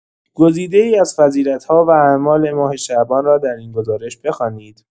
گزیده‌ای از فضیلت‌ها و اعمال ماه شعبان را در این گزارش بخوانید.